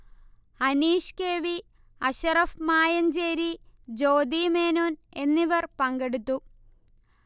Aneesh K. V, Ashraf Mayancheri, Jyothi മേനോൻഎന്നിവർ പങ്കെടുത്തു